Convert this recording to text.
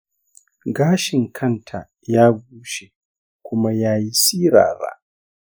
gashin kanta ya bushe kuma ya yi sirara.